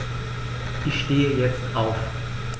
Ich stehe jetzt auf.